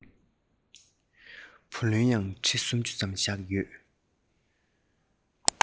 བུ ལོན ཡང ཁྲི སུམ ཅུ ཙམ བཞག ཡོད